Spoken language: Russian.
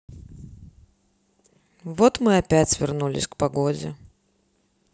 вот мы опять вернулись к погоде